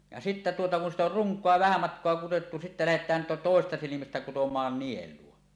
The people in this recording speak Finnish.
ja sitten tuota kun sitten on runkoa vähän matkaa kudottu sitten lähdetään - toisesta silmästä kutomaan nielua